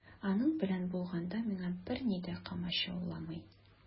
Аның белән булганда миңа берни дә комачауламый.